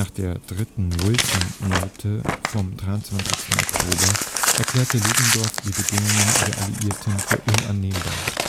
der dritten Wilson-Note vom 23. Oktober erklärte Ludendorff die Bedingungen der Alliierten als unannehmbar